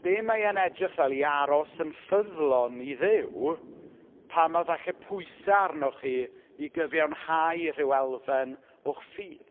Be mae e'n edrych fel i aros yn ffyddlon i Dduw, pan ma' falle pwysau arnoch chi i gyfiawnhau rhyw elfen o'ch ffydd?